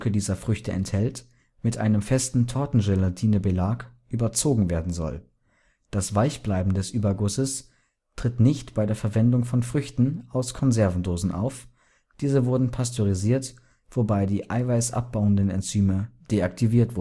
dieser Früchte enthält, mit einem festen Tortengelatinebelag überzogen werden soll. Das Weichbleiben des Übergusses tritt nicht bei der Verwendung von Früchten aus Konservendosen auf, diese werden pasteurisiert, wobei die eiweißabbauenden Enzyme deaktiviert